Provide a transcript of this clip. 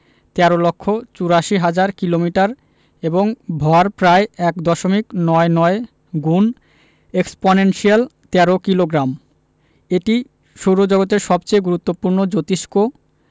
১৩ লক্ষ ৮৪ হাজার কিলোমিটার এবং ভর প্রায় এক দশমিক নয় নয় গুণ এক্সপনেনশিয়াল ১৩ কিলোগ্রাম এটি সৌরজগতের সবচেয়ে গুরুত্বপূর্ণ জোতিষ্ক